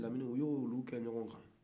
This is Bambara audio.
lamine u y'olu kɛ ɲɔgɔ kan